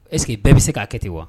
Ɛseke bɛɛ bɛ se'a kɛ ten wa